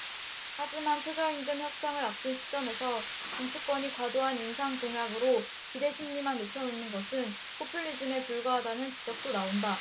하지만 최저임금 협상을 앞둔 시점에서 정치권이 과도한 인상 공약으로 기대심리만 높여놓는 것은 포퓰리즘에 불과하다는 지적도 나온다